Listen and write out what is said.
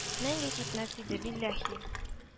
Мәңге китмәс иде, билләһи